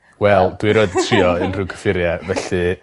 Wel dwi erioed 'di trio unrhyw cyffurie felly...